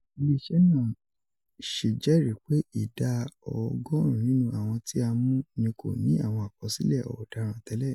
Ile iṣẹ naa ṣjẹri pe ida ọgọrun nínú awọn ti a mu ni koni awọn akọsilẹ ọdaran tẹlẹ.